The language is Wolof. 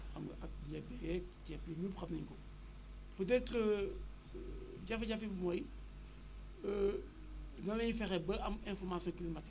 xam nga ak ñebeeg ceeb bi ñëpp xam nañu ko peut être jafe-jafe bi mooy nan la ñuy fexee ba am information climatique